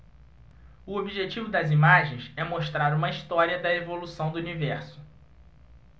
o objetivo das imagens é mostrar uma história da evolução do universo